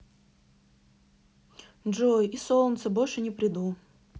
джой и солнце больше не приду